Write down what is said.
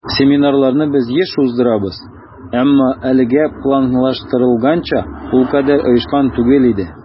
Семинарларны без еш уздырабыз, әмма әлегә планлаштырылганча ул кадәр оешкан түгел иде.